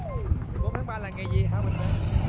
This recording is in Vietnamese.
mười bốn tháng ba là ngày gì hả huỳnh mến